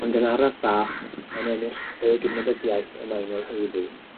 Ond yn araf bach, mae'n ennill y gydnabyddiaeth y mae'n ei heiddi.